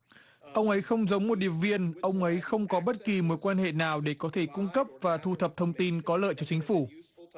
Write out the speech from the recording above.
ông ấy không giống một điệp viên ông ấy không có bất kỳ mối quan hệ nào để có thể cung cấp và thu thập thông tin có lợi cho chính phủ